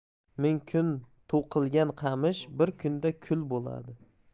ming kun to'qilgan qamish bir kunda kul bo'ladi